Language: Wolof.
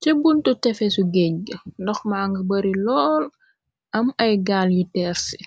Ca buntu tefesu géejg ndoxma nga bari lool am ay gaal yu terse